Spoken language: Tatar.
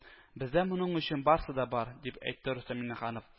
Бездә моның өчен барысы да бар, - дип әйтте Рөстәм Миннеханов